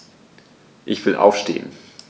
Ich will aufstehen.